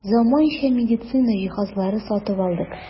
Заманча медицина җиһазлары сатып алдык.